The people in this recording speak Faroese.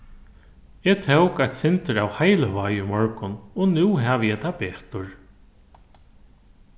eg tók eitt sindur av heilivági í morgun og nú havi eg tað betur